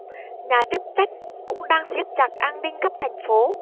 nhà chức trách cũng đang siết chặt an ninh khắp thành phố